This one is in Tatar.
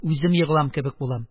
Үзем егылам кебек булам.